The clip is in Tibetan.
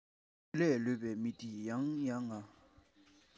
བ མོ གཅིག གིས མི ཡི ཞིང ཟོས ན